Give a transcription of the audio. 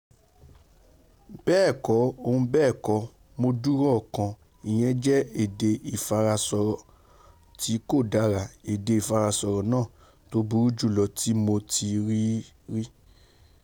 Bẹ́ẹ̀kọ́, uh bẹ́ẹ̀kọ́, Mo dúró ọ̀kan - ìyẹn jẹ́ èdè ìfarasọ̀rọ̀ tí kò dára - èdè ìfarasọ̀rọ̀ náà tó burú jùlọ tí Mo tí ì rírí.''